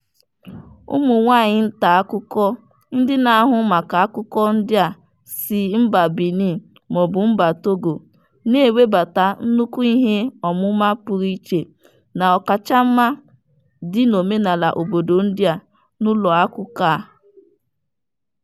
Ụmụ nwaanyị nta akụkọ ndị na-ahụ maka akụkọ ndị a si mba Benin ma ọ bụ mba Togo, na-ewebata nnukwu ihe ọmụma pụrụ iche na ọkachamma dị n'omenaala obodo ndị a n'ụlọ akụkọ a.